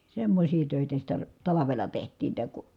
semmoisia töitä sitä talvella tehtiin että kun